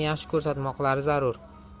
yaxshi ko'rsatmoqlari zarur